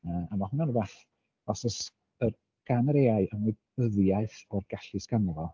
yy a ma' hwnna'n rywbeth os oes yr... gan yr AI ymwybyddiaeth o'r gallu sy ganddo fo.